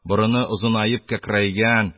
Борыны озынаеп кәкрәйгән,